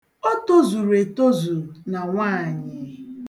O tozuru etozu na nwaanyị.